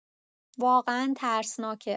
واقعا ترسناکه